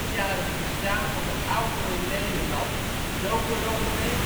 100-jarig bestaan van de auto in Nederland doken rond 1996